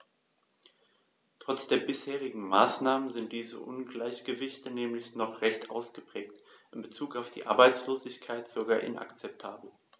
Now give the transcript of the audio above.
Trotz der bisherigen Maßnahmen sind diese Ungleichgewichte nämlich noch recht ausgeprägt, in bezug auf die Arbeitslosigkeit sogar inakzeptabel.